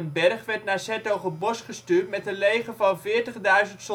Bergh werd naar ' s-Hertogenbosch gestuurd met een leger van 40.000